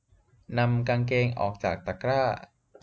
นำกางเกงออกจากตะกร้า